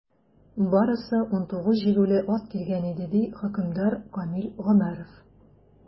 Барысы 19 җигүле ат килгән иде, - ди хөкемдар Камил Гомәров.